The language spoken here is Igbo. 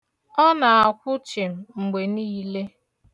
Ọ na-akwụ chim mgbe niile.